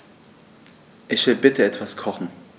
Ich will bitte etwas kochen.